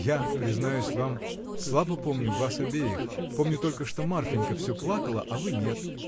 — Я, признаюсь вам, слабо помню вас обеих: помню только, что Марфинька всё плакала, а вы нет